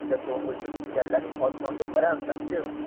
shunda to'ng'ichi xumkallaning osmonga baland sapchib